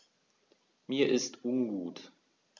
Mir ist ungut.